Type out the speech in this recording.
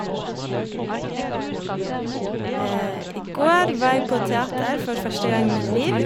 I går var jeg på teater for første gang i mitt liv.